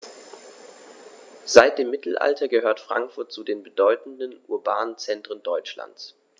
Seit dem Mittelalter gehört Frankfurt zu den bedeutenden urbanen Zentren Deutschlands.